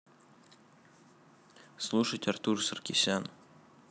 слушать артур саркисян